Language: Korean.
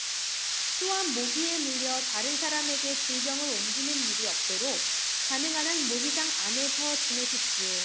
또한 모기에 물려 다른 사람에게 질병을 옮기는 일이 없도록 가능한 한 모기장 안에서 지내십시오